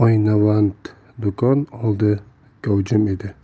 do'kon oldi gavjum edi